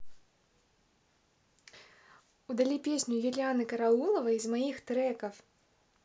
удали песню юлианны карауловой из моих треков